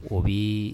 O biii